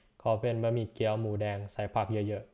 ขอเป็นบะหมี่เกี๊ยวหมูแดงใส่ผักเยอะเยอะ